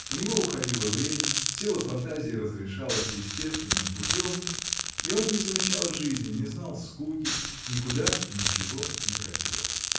У него уходило время, сила фантазии разрешалась естественным путем, и он не замечал жизни, не знал скуки, никуда и ничего не хотел.